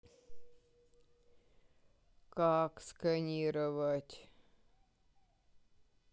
как сканировать